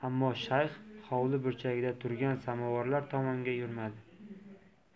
ammo shayx hovli burchagida turgan samovarlar tomonga yurmadi